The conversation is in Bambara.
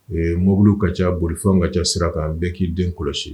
Ee mobili ka ca bolifɛnw ka ca sira kan bɛɛ k'i den kɔlɔsi!